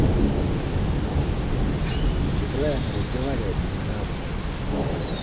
неправильно разговаривать не надо